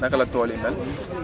naka la tool yi mel